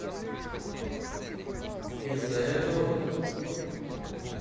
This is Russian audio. из за этого